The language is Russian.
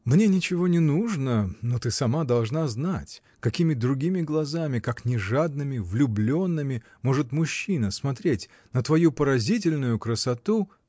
— Мне ничего не нужно: но ты сама должна знать, какими другими глазами, как не жадными, влюбленными, может мужчина смотреть на твою поразительную красоту.